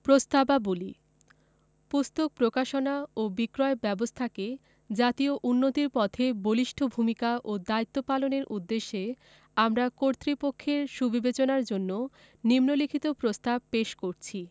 প্রস্তাবাবলী পুস্তক প্রকাশনা ও বিক্রয় ব্যাবস্থাকে জাতীয় উন্নতির পথে বলিষ্ঠ ভূমিকা ও দায়িত্ব পালনের উদ্দেশ্যে আমরা কর্তৃপক্ষের সুবিবেচনার জন্য নিন্ম লিখিত প্রস্তাব পেশ করছি